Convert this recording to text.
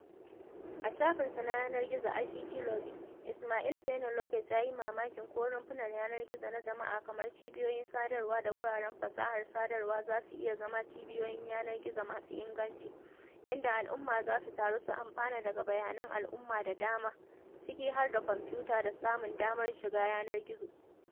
A shafinsa na yanar gizo ICTlogy, Ismael Peña-López yayi mamakin ko rumfunan yanar gizo na jama'a kamar cibiyoyin sadarwa da wuraren fasahar sadarwa za su iya zama cibiyoyin yanar gizo masu inganci, “inda al’umma za su taru su amfana daga bayanan al’umma da dama, ciki har da kwamfuta da samun damar shiga yanar gizo"